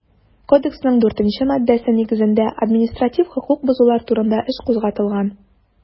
Кодексның 4 нче маддәсе нигезендә административ хокук бозулар турында эш кузгатылган.